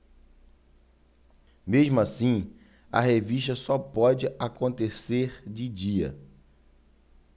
mesmo assim a revista só pode acontecer de dia